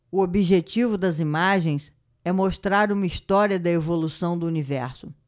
o objetivo das imagens é mostrar uma história da evolução do universo